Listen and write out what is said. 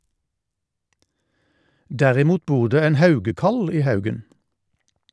Derimot bor det en haugekall i haugen.